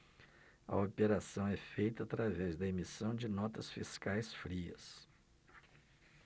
a operação é feita através da emissão de notas fiscais frias